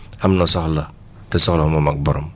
am na soxla te soxla moo mag borom